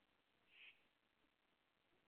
Sh!